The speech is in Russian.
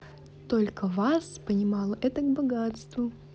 только вас вспоминала это к богатству